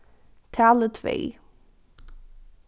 talið tvey